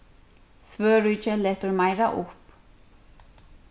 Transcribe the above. svøríki letur meira upp